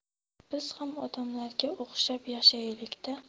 biz ham odamlarga o'xshab yashaylik da